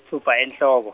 tfupha enhloko.